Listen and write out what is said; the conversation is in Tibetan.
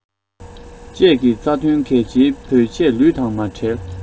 བཅས ཀྱི རྩ དོན གལ ཆེན བོད ཆས ལུས དང མ བྲལ